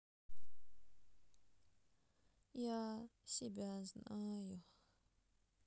я себя знаю